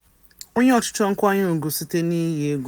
Onye ọchịchọ nkwanye ùgwù site n'iyi egwu.